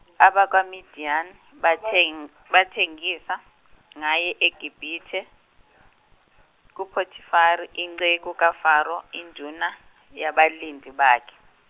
AbakwaMidiyani batheng- bathengisa, ngaye eGibithe, kuPotifari inceku kaFaro induna yabalindi bakhe.